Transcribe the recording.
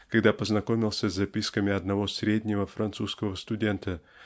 когда познакомился с записками одного "среднего" французского студента